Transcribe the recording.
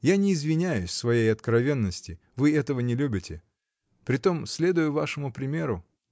Я не извиняюсь в своей откровенности: вы этого не любите притом следую вашему примеру.